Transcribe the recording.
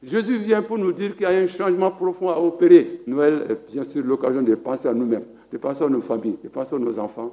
Zsiyp'udikiya ye suma fɔlɔfɔlɔ aw perere nsiriri kaj de ye passa n ninnuu pasaw ni fan bi pasaw ninnu zanfa